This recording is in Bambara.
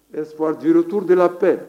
Ɛurwajuru de la pe